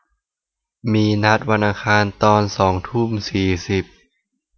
มีนัดวันอังคารตอนสองทุ่มสี่สิบ